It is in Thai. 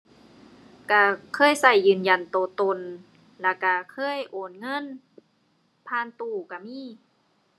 ก็เคยก็ยืนยันก็ตน แล้วก็เคยโอนเงินผ่านตู้ก็มี